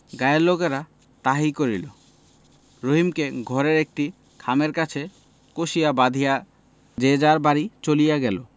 গাঁয়ের লোকেরা তাহাই করিল রহিমকে ঘরের একটি খামের সাথে কষিয়া বাধিয়া যে যার বাড়ি চলিয়া গেল